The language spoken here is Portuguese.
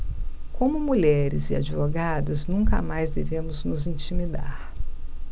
como mulheres e advogadas nunca mais devemos nos intimidar